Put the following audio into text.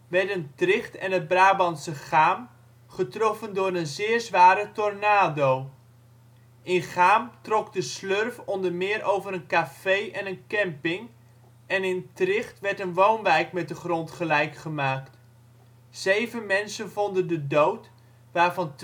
werden Tricht en het Brabantse Chaam en getroffen door een zeer zware tornado. In Chaam trok de slurf onder meer over een café en een camping en in Tricht werd een woonwijk met de grond gelijk gemaakt. Zeven mensen vonden de dood, waarvan